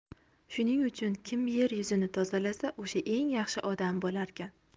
shuning uchun kim yer yuzini tozalasa o'sha eng yaxshi odam bo'larkan